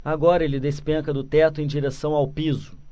agora ele despenca do teto em direção ao piso